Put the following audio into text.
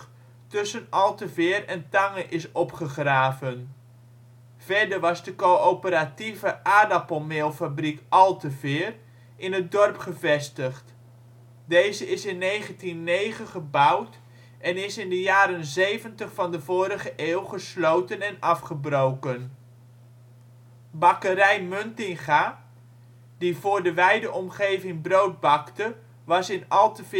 tussen Alteveer en Tange is opgegraven. Verder was de Coöperatieve aardappelmeelfabriek Alteveer in het dorp gevestigd. Deze is in 1909 gebouwd en is in de jaren 70 van de vorige eeuw gesloten en afgebroken. Bakkerij Muntinga, die voor de wijde omgeving brood bakte was in Alteveer